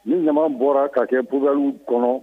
Ni ɲama bɔra ka kɛ bow kɔnɔ